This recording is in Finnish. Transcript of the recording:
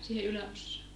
siihen yläosaan